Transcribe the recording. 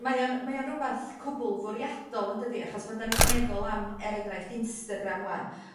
Mae o'n mae o'n rwbath cwbwl fwriadol yndydi achos pan 'dan ni'n meddwl am er enghraifft Instegram 'wan